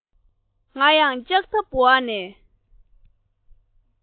ང ཡང ལྕགས ཐབ འོག ནས